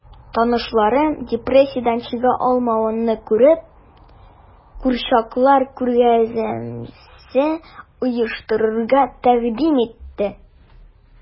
Танышларым, депрессиядән чыга алмавымны күреп, курчаклар күргәзмәсе оештырырга тәкъдим итте...